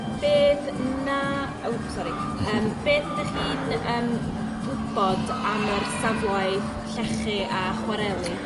Beth na- ww sori. Yym beth ydych chi'n yym wbod am yr saflau llechi a chwareli?